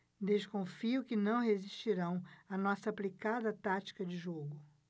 desconfio que não resistirão à nossa aplicada tática de jogo